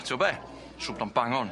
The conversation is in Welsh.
A t'mo' be' siŵr bo' o'n bang on.